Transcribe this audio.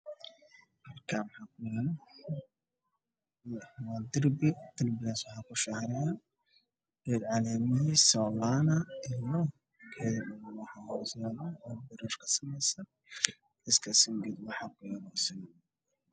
Meeshaan oo meel darbi ah wax ku tiirsan geed cagaar ah oo koronta darbi kalarkiisu waa caddaan cid geedkan waa corona virus